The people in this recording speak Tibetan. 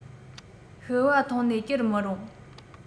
ཤི བ མཐོང ནས སྐྱུར མི རུང